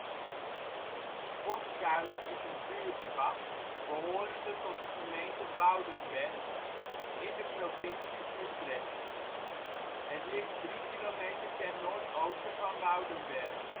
buurtschap behorende tot de gemeente Woudenberg, in de provincie Utrecht. Het ligt 3 kilometer ten noordoosten van Woudenberg